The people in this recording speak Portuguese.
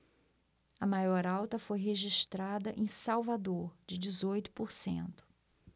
a maior alta foi registrada em salvador de dezoito por cento